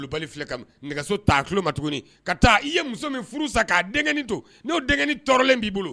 Malobali filɛ ka nɛgɛso t'a tulo ma tuguni ka taa i ye muso min furu sa k'a denkɛnin to n'o denkenin tɔɔrɔlen b'i bolo.